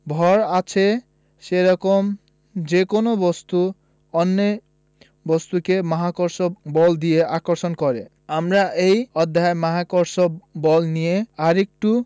ভর আছে সেরকম যেকোনো বস্তু অন্য বস্তুকে মহাকর্ষ বল দিয়ে আকর্ষণ করে আমরা এই অধ্যায়ে মহাকর্ষ বল নিয়ে আরেকটু